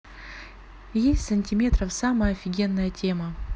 есть сантиметров самая офигенная тема